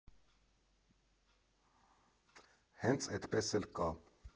Հենց էդպես էլ կա։